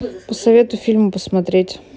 посоветуй фильм посмотреть